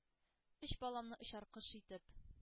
— өч баламны, очар кош итеп,